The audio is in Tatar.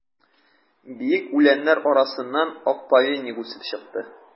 Биек үләннәр арасыннан ак повейник үсеп чыкты.